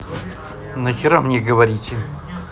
нахера мне говорите